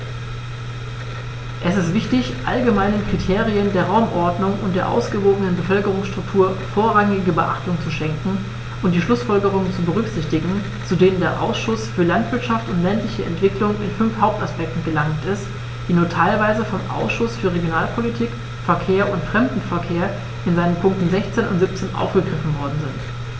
Es ist wichtig, allgemeinen Kriterien der Raumordnung und der ausgewogenen Bevölkerungsstruktur vorrangige Beachtung zu schenken und die Schlußfolgerungen zu berücksichtigen, zu denen der Ausschuss für Landwirtschaft und ländliche Entwicklung in fünf Hauptaspekten gelangt ist, die nur teilweise vom Ausschuss für Regionalpolitik, Verkehr und Fremdenverkehr in seinen Punkten 16 und 17 aufgegriffen worden sind.